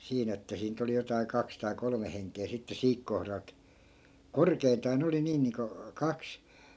siinä että siinä nyt oli jotakin kaksi tai kolme henkeä sitten siinä kohdalta korkeintaan ne oli niin niin kuin kaksi